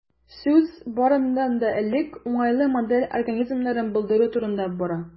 Сүз, барыннан да элек, уңайлы модель организмнарын булдыру турында бара.